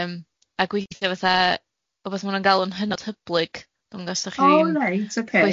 Yym a gweithio fatha wbath ma' nw'n galw'n hynod hyblyg, dwi'm yn gwbod os dach chi'n... O reit ocei...